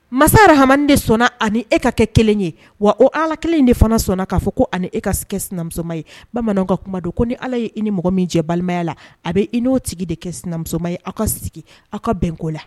Masa yɛrɛ hamamani de sɔnna ani e ka kɛ kelen ye wa o ala kelen de fana sɔnna k'a fɔ ko ani e ka sigi kɛ sinamuso ye bamanan ka kuma don ko ni ala ye i ni mɔgɔ min cɛ balimaya la a bɛ i n'o tigi de kɛ sinamuso ye aw ka sigi aw ka bɛnko la